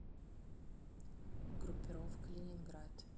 группировка ленинград